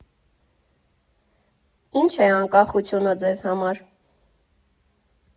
֊Ի՞նչ է անկախությունը Ձեզ համար։